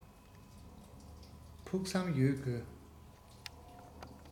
ཕུགས བསམ ཡོད དགོས